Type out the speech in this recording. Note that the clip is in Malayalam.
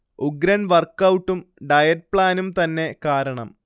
ഉഗ്രൻ വർക്ഔട്ടും ഡയറ്റ് പ്ലാനും തന്നെ കാരണം